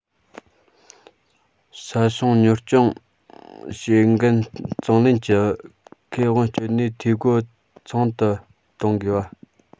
ས ཞིང གཉེར སྐྱོང བྱེད འགན གཙང ལེན གྱི ཁེ དབང སྤྱོད ནུས འཐུས སྒོ ཚང དུ གཏོང དགོས